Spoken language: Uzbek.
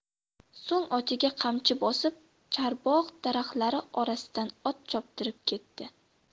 so'ng otiga qamchi bosib chorbog' daraxtlari orasidan ot choptirib ketdi